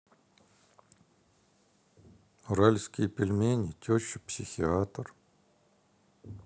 уральские пельмени теща психиатр